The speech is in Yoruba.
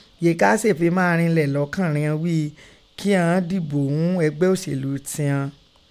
Yèé kaa sè fin máa rinlẹ lọkan righọn ghí i ki ghọn dibo ún ẹgbẹ oṣelu tighọn.